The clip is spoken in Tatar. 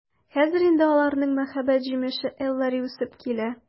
Хәзер инде аларның мәхәббәт җимеше Эллари үсеп килә.